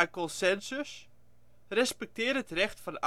consensus Respecteer het recht van